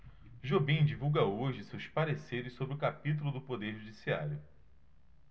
jobim divulga hoje seus pareceres sobre o capítulo do poder judiciário